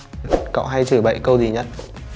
cậu hay chửi bậy câu gì nhất